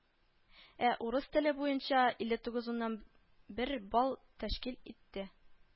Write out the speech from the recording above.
Ә урыс теле буенча илле тугызыннан бер балл тәшкил итте